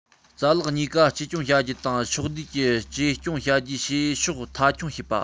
རྩ ལག གཉིས ཀ བཅོས སྐྱོང བྱ རྒྱུ དང ཕྱོགས བསྡུས ཀྱིས བཅོས སྐྱོང བྱ རྒྱུའི བྱེད ཕྱོགས མཐའ འཁྱོངས བྱེད པ